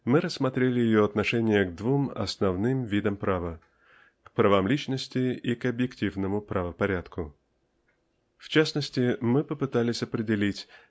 мы рассмотрели ее отношение к двум основным видам права -- к правам личности и к объективному правопорядку. В частности мы попытались определить